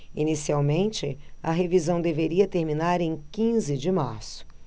inicialmente a revisão deveria terminar em quinze de março